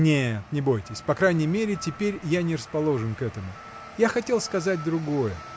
— Нет, не бойтесь, по крайней мере теперь я не расположен к этому. Я хотел сказать другое.